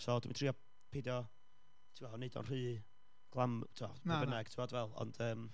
so dwi'n trio peido, tibod wneud o'n rhy glam- tibod... na na. ...be bynnag, ond yym...